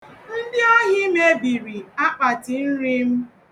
Ndị ohi mebiri akpatinri m.